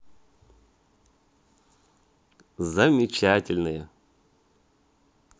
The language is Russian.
замечательные